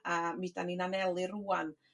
A mi 'dan ni'n aneli rŵan